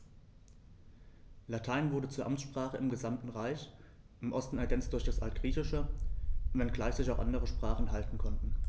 Latein wurde zur Amtssprache im gesamten Reich (im Osten ergänzt durch das Altgriechische), wenngleich sich auch andere Sprachen halten konnten.